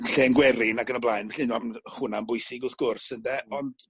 ...llên gwerin ag yn y blaen 'lly ma' m- hwnna'n bwysig wrth gwrs ynde ond